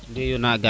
de yona gara